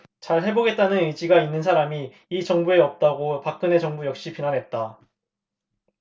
잘해보겠다는 의지가 있는 사람이 이 정부에 없다고 박근혜 정부 역시 비난했다